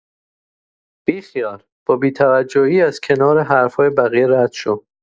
بی‌خیال، با بی‌توجهی از کنار حرفای بقیه رد شو!